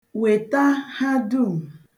Weta ha dum.